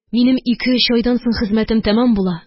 Минем ике-өч айдан соң хезмәтем тәмам була